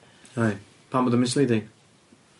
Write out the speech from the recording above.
Reit. Pam bod o'n misleading?